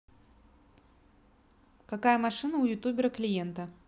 какая машина у ютубера клиента